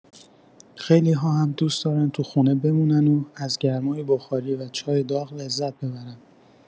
خیلی‌ها هم دوست دارن تو خونه بمونن و از گرمای بخاری و چای داغ لذت ببرن.